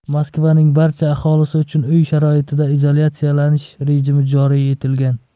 moskvaning barcha aholisi uchun uy sharoitida izolyatsiyalanish rejimi joriy etilgan